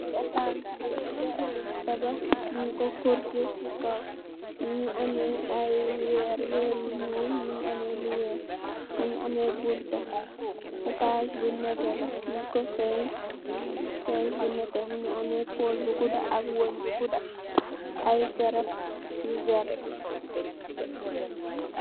Etaas bu gudda, buñg tabax, ñung ko korget si kow, ñu ngi wéér, wéer bu ñuul, mu amee lu bunta. Etaas, bu nétte la, ñung ko fens, fens bu nétte. Mu ngi amee pool bu gudda, ak wéng bu gudda. Ay garab yu werta